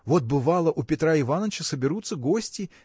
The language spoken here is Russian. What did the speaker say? Вот, бывало, у Петра Иваныча соберутся гости